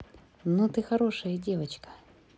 ну ты хорошая девочка